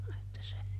että se